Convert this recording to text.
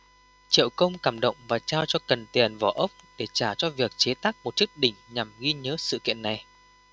triệu công cảm động và trao cho cận tiền vỏ ốc để trả cho việc chế tác một chiếc đỉnh nhằm ghi nhớ sự kiện này